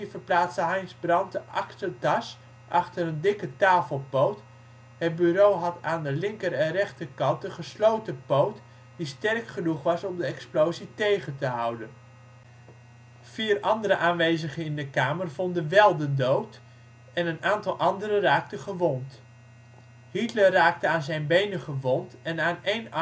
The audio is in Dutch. verplaatste Heinz Brandt de aktetas achter een dikke tafelpoot, het bureau had aan zijn linker en rechter kant een gesloten poot, die sterk genoeg was om de explosie tegen te houden. Vier andere aanwezigen in de kamer vonden de dood wel en een aantal anderen raakte gewond. Hitler raakte aan zijn benen gewond en aan een